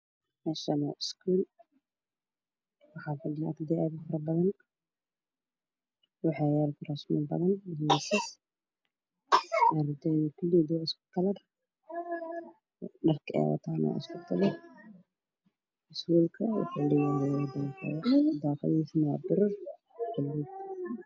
Meshaan waa iskuul waxaa fadhiyo arda aad ufara padan waxaa yala kurasman badan ardeyda kuligood waa isku kalar dharka eye watanaa wa isku kalar iskuulka waxoo keyahay daqado daqadiihisna waa waa pirar